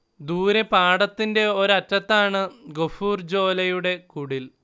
ദൂരെ പാടത്തിന്റെ ഒരറ്റത്താണ് ഗഫൂർ ജോലയുടെ കുടിൽ